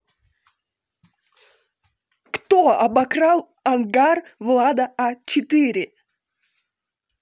кто обокрал ангар влада а четыре